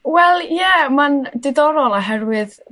Wel, ie, ma'n diddorol, oherwydd